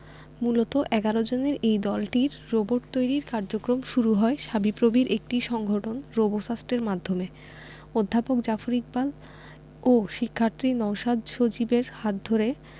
মূলত ১১ জনের এই দলটির রোবট তৈরির কার্যক্রম শুরু হয় শাবিপ্রবির একটি সংগঠন রোবোসাস্টের মাধ্যমে অধ্যাপক জাফর ইকবাল ও শিক্ষার্থী নওশাদ সজীবের হাত ধরে